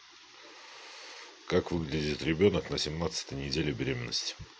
как выглядит ребенок на семнадцатой неделе беременности